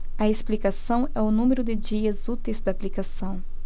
a explicação é o número de dias úteis da aplicação